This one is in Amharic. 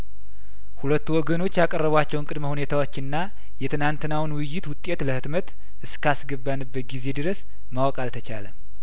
ሁለቱ ወገኖች ያቀረ ቧቸውን ቅድመ ሁኔታዎች እና የትናንትናውን ውይይት ውጤት ለህትመት እስካ ስገባንበት ጊዜ ድረስ ማወቅ አልተቻለም